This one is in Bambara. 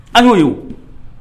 An'o ye